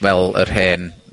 fel yr hen